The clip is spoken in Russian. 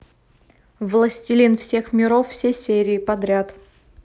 властелин всех миров все серии подряд